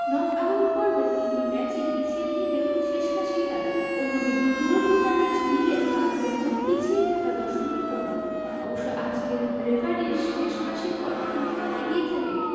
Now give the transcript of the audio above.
knock out পর্বের তিনটি ম্যাচই পিছিয়ে থেকেও শেষ হাসি তাদের অন্যদিকে পুরো টুর্নামেন্ট মিলে ফ্রান্সের মোট পিছিয়ে থাকা ১০ মিনিটও নয় অবশ্য আজকের রেফারির শেষ বাঁশির পর কোন দল এগিয়ে থাকে